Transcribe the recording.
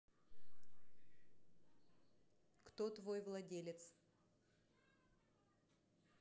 кто твой владелец